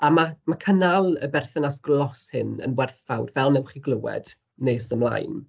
A ma' ma' cynnal y berthynas glòs hyn yn werthfawr, fel wnewch chi glywed nes ymlaen.